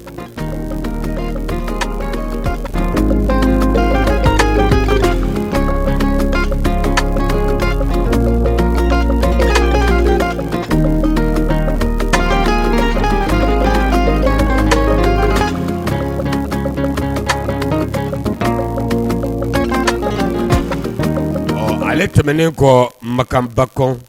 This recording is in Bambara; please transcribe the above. Ale tɛmɛnen kɔ mankan mankanba kɔn